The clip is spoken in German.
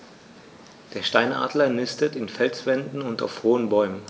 Der Steinadler nistet in Felswänden und auf hohen Bäumen.